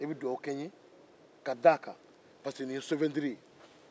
i bɛ dugawu kɛ n ye pariseke nin ye souvenir ye